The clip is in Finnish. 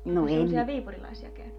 onkos semmoisia viipurilaisia käynyt